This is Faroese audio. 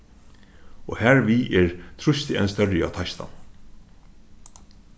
og har við er trýstið enn størri á teistan